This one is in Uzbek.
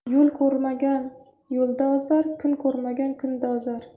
yo'l ko'rmagan yo'lda ozar kun ko'rmagan kunda ozar